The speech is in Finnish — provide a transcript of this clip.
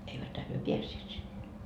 eiväthän he päässeet sinne